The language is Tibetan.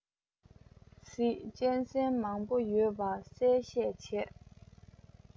གཟིག གཅན གཟན མང པོ ཡོད པ གསལ བཤད བྱས